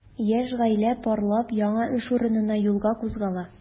Яшь гаилә парлап яңа эш урынына юлга кузгала.